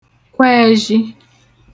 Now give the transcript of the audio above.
kwẹẹzhi